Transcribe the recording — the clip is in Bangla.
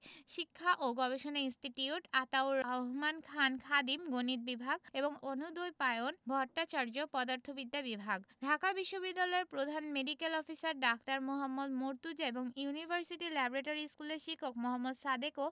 শিক্ষা ও গবেষণা ইনস্টিটিউট আতাউর রহমান খান খাদিম গণিত বিভাগ এবং অনুদ্বৈপায়ন ভট্টাচার্য পদার্থবিদ্যা বিভাগ ঢাকা বিশ্ববিদ্যালয়ের প্রধান মেডিক্যাল অফিসার ডা. মোহাম্মদ মর্তুজা এবং ইউনিভার্সিটি ল্যাবরেটরি স্কুলের শিক্ষক মোহাম্মদ সাদেকও